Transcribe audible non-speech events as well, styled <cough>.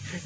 <hesitation>